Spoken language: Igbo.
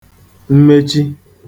mmechi